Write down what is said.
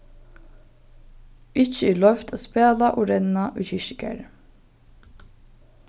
ikki er loyvt at spæla og renna í kirkjugarði